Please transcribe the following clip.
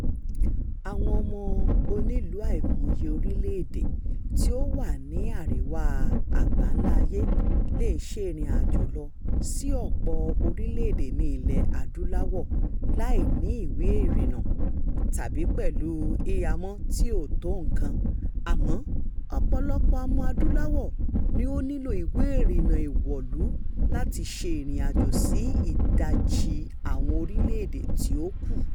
Àwọn ọmọ onílùú àìmọye orílẹ̀-èdè tí ó wà ní Àríwá àgbáńlá ayé lè ṣe ìrìnàjò lọ sí ọ̀pọ̀ orílẹ̀-èdè ní ilẹ̀-adúláwọ̀ láì ní ìwé ìrìnnà, tàbí pẹ̀lú hìhámọ́ tí ò tó nǹkan, àmọ́ ọ̀pọ̀lọpọ̀ Ọmọ-adúláwọ̀ ni ó nílòo ìwé ìrìnnà ìwọ̀lú láti ṣe ìrìnàjò sí ìdajì àwọn orílẹ̀-èdè tí ó kù.